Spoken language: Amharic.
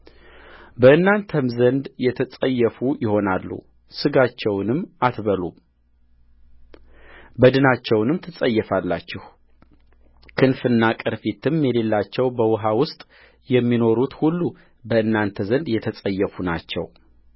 በእናንተም ዘንድ የተጸየፉ ይሆናሉ ሥጋቸውንም አትበሉም በድናቸውንም ትጸየፋላችሁክንፍና ቅርፊትም የሌላቸው በውኃ ውስጥ የሚኖሩት ሁሉ በእናንተ ዘንድ የተጸየፉ ናቸው